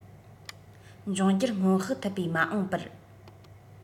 འབྱུང འགྱུར སྔོན དཔག ཐུབ པའི མ འོངས པར